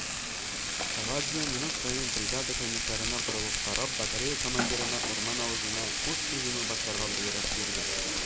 Каладзе, минут саен бригада комиссарына борылып карап, батарея командирына урман авызына ут һөҗүме башларга боерык бирде.